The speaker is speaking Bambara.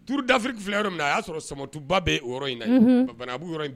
Uru dafiri fila yɔrɔ min na a y'a sɔrɔ samatuba bɛ yɔrɔ in na bana yɔrɔ